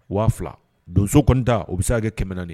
2000 donso kɔ ta o o bɛka kɛ 400